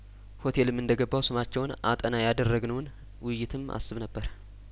ሆቴልም እንደገባሁ ስማቸውን አጠና ያደረግነውን ውይይትም አስብ ነበር